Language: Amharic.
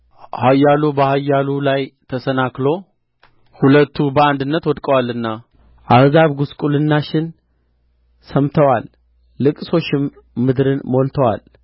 ኃያሉ በኃያሉ ላይ ተሰናክሎ ሁለቱ በአንድነት ወድቀዋልና አሕዛብ ግውስቁልናሽን ሰምተዋል ልቅሶሽም ምድርን ሞልቶአታል